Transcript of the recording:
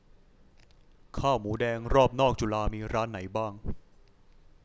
ข้าวหมูแดงรอบนอกจุฬามีร้านไหนบ้าง